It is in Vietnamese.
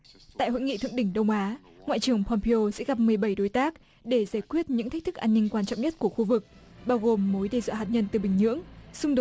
tại hội nghị thượng đỉnh đông á ngoại trưởng pôm peo sẽ gặp mười bảy đối tác để giải quyết những thách thức an ninh quan trọng nhất của khu vực bao gồm mối đe dọa hạt nhân từ bình nhưỡng xung